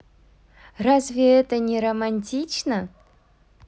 разве это не романтично